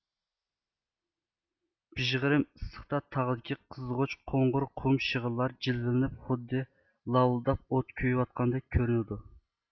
بىژغىرىم ئىسسىقتا تاغدىكى قىزغۇچ قوڭۇر قۇم شېغىللار جىلۋىلىنىپ خۇددى ساۋۇلداپ ئوت كۈيىۋاتقاندەك كۆرۈنىدۇ